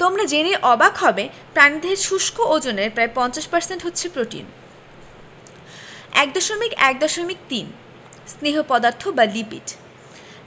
তোমরা জেনে অবাক হবে প্রাণীদেহের শুষ্ক ওজনের প্রায় ৫০% হচ্ছে প্রোটিন ১.১.৩ স্নেহ পদার্থ বা লিপিড